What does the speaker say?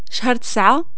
شهر تسعة